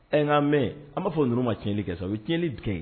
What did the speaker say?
Ɛɛ n'an mɛn an b'a fɔ n ma tiɲɛɲɛnli kɛ sɔrɔ o bɛ cɛnɲɛnli d tigɛ ye